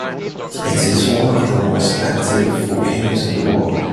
It is one of the most active volcanoes in the world.